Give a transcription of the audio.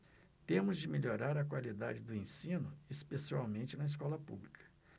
temos de melhorar a qualidade do ensino especialmente na escola pública